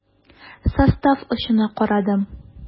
Состав очына карадым.